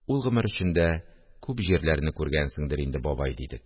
Ул гомер эчендә күп җирләрне күргәнсеңдер инде, бабай? – дидек